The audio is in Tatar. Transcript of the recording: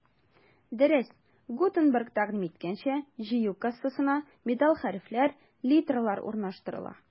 Дөрес, Гутенберг тәкъдим иткәнчә, җыю кассасына металл хәрефләр — литералар урнаштырыла.